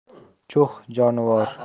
chuh jonivor